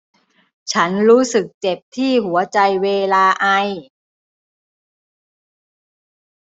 ฉันรู้สึกเจ็บที่หัวใจเวลาไอ